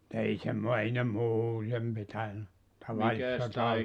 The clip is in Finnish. mutta ei - ei ne muuten pitänyt tavallisissa -